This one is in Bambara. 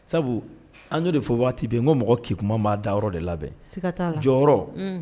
Sabu an de fɔ waati bɛ yen ko mɔgɔ' kuma b' da de labɛn jɔyɔrɔ